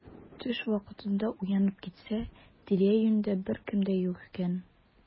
Төш вакытында уянып китсә, тирә-юньдә беркем дә юк икән.